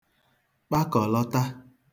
kpakọ̀lata